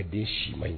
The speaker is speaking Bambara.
Ɛ den si man ɲi